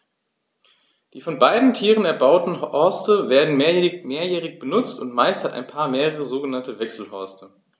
Die von beiden Tieren erbauten Horste werden mehrjährig benutzt, und meist hat ein Paar mehrere sogenannte Wechselhorste.